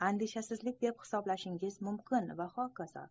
andishasizlik deb hisoblashingiz mumkin va hokazo